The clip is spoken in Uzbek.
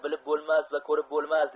bilib bo'lmas va ko'rib bo'lmas